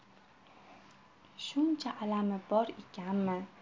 shuncha alami bor ekanmi